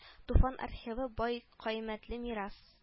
Туфан архивы бай кыйммәтле мирас